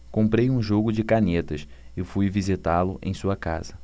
comprei um jogo de canetas e fui visitá-lo em sua casa